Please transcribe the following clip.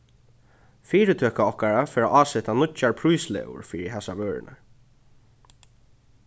fyritøka okkara fer at áseta nýggjar príslegur fyri hasar vørurnar